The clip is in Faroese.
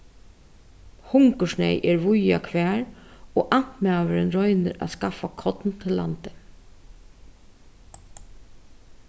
hungursneyð er víða hvar og amtmaðurin roynir at skaffa korn til landið